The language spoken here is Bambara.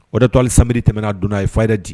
O de y'a to hali samedi tɛmɛnen a donna a ye fayida di